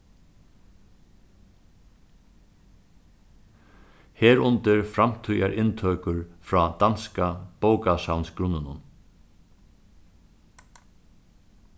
herundir framtíðar inntøkur frá danska bókasavnsgrunninum